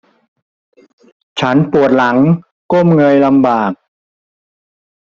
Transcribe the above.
ฉันปวดหลังก้มเงยลำบาก